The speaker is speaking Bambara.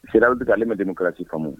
cela veut dire que ale ma démocratie faamu